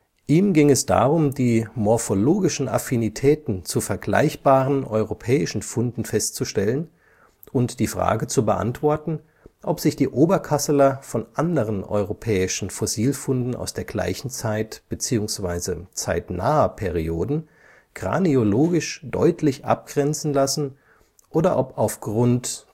Ihm ging es darum, die „ morphologischen Affinitäten “zu vergleichbaren europäischen Funden festzustellen und die Frage zu beantworten, ob sich die Oberkasseler von anderen europäischen Fossilfunden aus der gleichen Zeit bzw. zeitnaher Perioden craniologisch deutlich abgrenzen lassen oder ob aufgrund